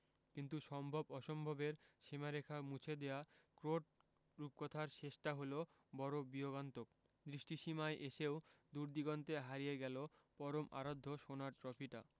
কিন্তু সম্ভব অসম্ভবের সীমারেখা মুছে দেয়া ক্রোট রূপকথার শেষটা হল বড় বিয়োগান্তক দৃষ্টিসীমায় এসেও দূরদিগন্তে হারিয়ে গেল পরম আরাধ্য সোনার ট্রফিটা